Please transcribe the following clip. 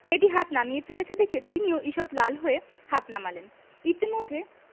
মেয়েটি হাত নামিয়ে ফেলেছে দেখে তিনিও ঈষৎ লাল হয়ে হাত নামালেন ইতিমধ্যে